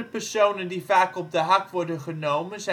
personen die vaak op de hak worden genomen